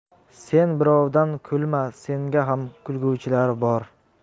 sen birovdan kulma senga ham kulguvchilar bor